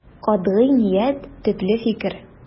Катгый ният, төпле фикер.